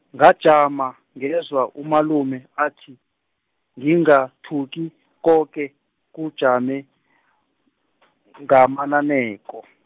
ngajama ngezwa umalume athi, ngingathuki koke kujame, ngamananeko.